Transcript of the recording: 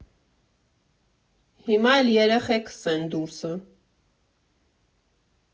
Հիմա էլ էրեխեքս են դուրսը։